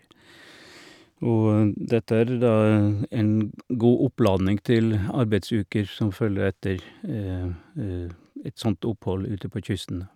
Og dette er det da en god oppladning til arbeidsuker som følger etter et sånt opphold ute på kysten, da.